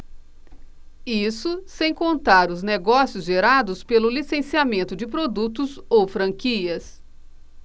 isso sem contar os negócios gerados pelo licenciamento de produtos ou franquias